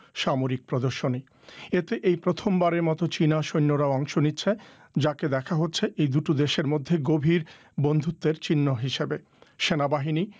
সামরিক প্রদর্শনী এই প্রথমবারের মতো চিনা সৈন্যরাও অংশ নিচ্ছে যাকে দেখা হচ্ছে এই দুটি দেশের মধ্যে গভীর বন্ধুত্বের চিহ্ন হিসেবে সেনাবাহিনী